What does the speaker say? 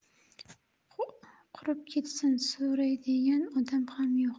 qurib ketsin so'raydigan odam ham yo'q